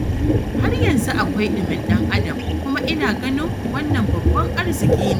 Har yanzu akwai ɗimin ɗan-adam kuma ina ganin wannan babban arziki ne.